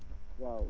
waaw